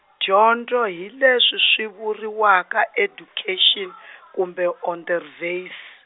dyondzo hi leswi swi vuriwaka education kumbe onderwys.